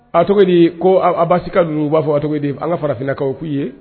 A tɔgɔ ye di, ko Abasi la ka ninnu b'a fɔ , a tɔgɔ ye di, an ka farafinakaw k'u ye